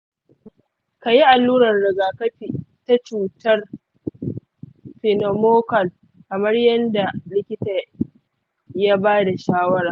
ka yi allurar rigakafi ta cutar pneumococcal kamar yadda likita ya ba da shawara.